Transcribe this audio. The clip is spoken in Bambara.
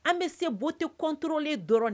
An bɛ se bon tɛ kɔntlen dɔrɔn